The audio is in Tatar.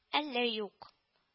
Әллә юк